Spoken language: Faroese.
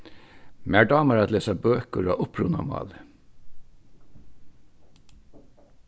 mær dámar at lesa bøkur á upprunamáli